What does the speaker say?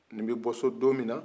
n bɛ bɔ so don min na